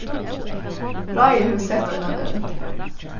ráðið hevur sett eina nevnd